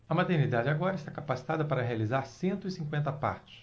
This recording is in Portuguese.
a maternidade agora está capacitada para realizar cento e cinquenta partos